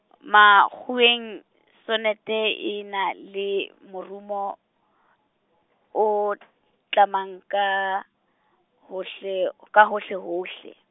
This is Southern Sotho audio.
makgoweng sonete e na le, morumo, o tlamang ka, hohle o-, ka hohle hohle.